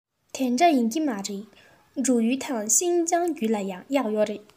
དེ འདྲ ཡིན གྱི མ རེད འབྲུག ཡུལ དང ཤིན ཅང རྒྱུད ལ ཡང གཡག ཡོད རེད